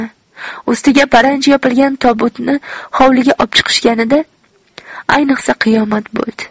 ustiga paranji yopilgan tobutni hovliga opchiqishganida ayniqsa qiyomat bo'ldi